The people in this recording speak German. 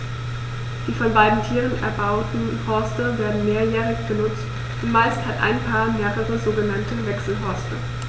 Die von beiden Tieren erbauten Horste werden mehrjährig benutzt, und meist hat ein Paar mehrere sogenannte Wechselhorste.